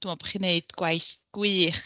Dwi'n meddwl bod chi'n wneud gwaith gwych.